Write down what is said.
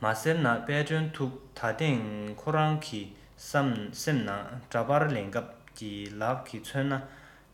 མ ཟེར ན དཔལ སྒྲོན ཐུགས ད ཐེངས ཁོ རང གི སེམས ནང དྲ པར ལེན སྐབས ཀྱི ལག གི མཚོན ན